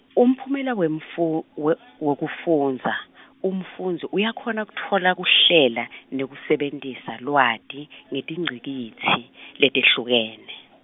umphumela wemfu- we- wekufundza umfundzi uyakhona kutfola kuhlela, nekusebentisa lwati, ngetingcikitsi , letehlukene.